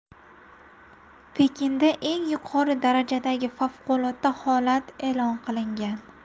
pekinda eng yuqori darajadagi favqulodda holat e'lon qilingan